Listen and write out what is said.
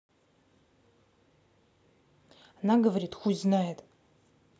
она говорит хуй знает